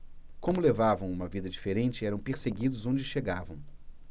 como levavam uma vida diferente eram perseguidos onde chegavam